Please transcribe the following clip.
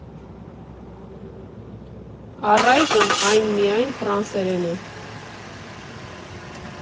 Առայժմ այն միայն ֆրանսերեն է։